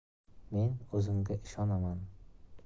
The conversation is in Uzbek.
men o'zimga ishonaman